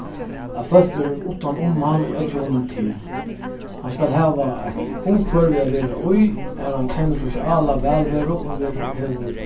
at fólk eru uttan um hann og eggja honum til hann skal hava eitt umhvørvi at vera í har hann kennir sosiala vælveru og verður hevur